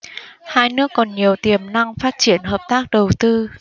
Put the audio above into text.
hai nước còn nhiều tiềm năng phát triển hợp tác đầu tư